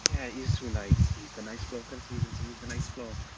Yeah he's too nice. He's the nice bloke of the season see, he's the nice bloke.